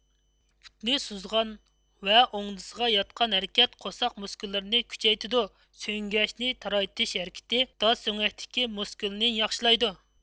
پۇتنى سوزغان ۋە ئوڭدىسىغا ياتقان ھەرىكەت قورساق مۇسكۇللىرىنى كۈچەيتىدۇ سۆڭگەچنى تارايتىش ھەرىكىتى داس سۆڭەكتىكى مۇسكۇلنى ياخشىلايدۇ